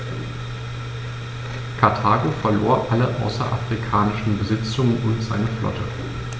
Karthago verlor alle außerafrikanischen Besitzungen und seine Flotte.